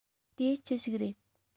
དེ ཅི ཞིག རེད